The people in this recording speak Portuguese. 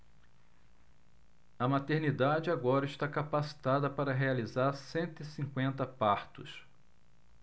a maternidade agora está capacitada para realizar cento e cinquenta partos